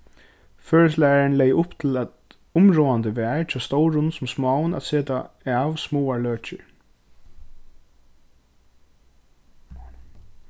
føroysktlærarin legði upp til at umráðandi var hjá stórum sum smáum at seta av smáar løkir